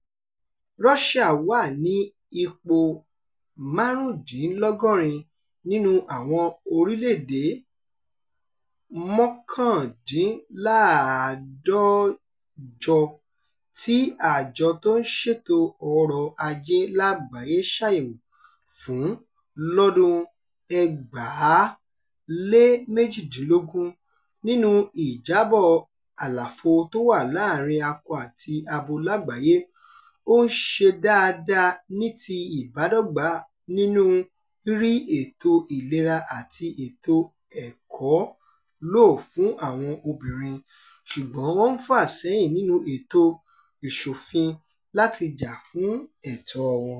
Russia wà ní ipò 75 nínú àwọn orílẹ̀-èdè 149 tí Àjọ tó-ń-ṣètò-ọrọ̀-Ajé Lágbàáyé ṣàyẹ̀wò fún lọ́dún 2018 nínú Ìjábọ̀ Àlàfo tó wà láàárín Akọ àti Abo Lágbàáyé, ó ń ṣe dáadáa ní ti ìbádọ́gbà nínú rírí ètò ìlera àti ètò ẹ̀kọ́ lò fún àwọn obìnrin, ṣùgbọ́n wọ́n ń fà sẹ́yìn nínú ètò ìṣòfin láti jà fún ẹ̀tọ́ọ wọn.